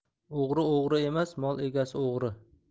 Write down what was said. o'g'ri o'g'ri emas mol egasi o'g'ri